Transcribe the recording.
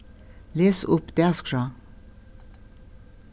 les upp dagsskrá